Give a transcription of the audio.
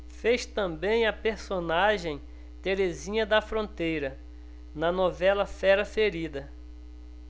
fez também a personagem terezinha da fronteira na novela fera ferida